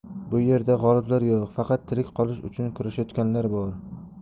bu yerda g'oliblar yo'q faqat tirik qolish uchun kurashayotganlar bor